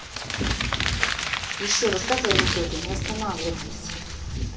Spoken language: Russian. еще рассказывай анекдоты не останавливайся